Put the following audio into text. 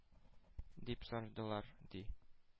Дип сорадылар, ди.